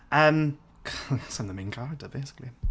Yym 'cause I'm the main character basically